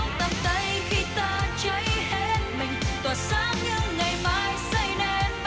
tay khi ta cháy hết mình tỏa sáng như ngày mai